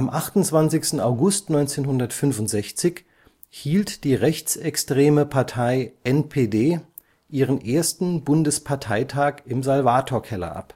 28. August 1965 hielt die rechtsextreme Partei NPD ihren ersten Bundesparteitag im Salvatorkeller